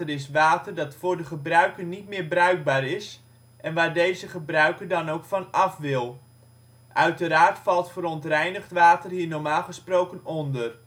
is water dat voor de gebruiker niet meer bruikbaar is en waar deze gebruiker dan ook van af wil. Uiteraard valt verontreinigd water hier normaal gesproken onder